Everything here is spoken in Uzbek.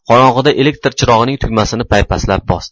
qorong'ida elektr chiroqning tugmasini paypaslab topdi